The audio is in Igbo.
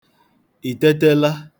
ịtetela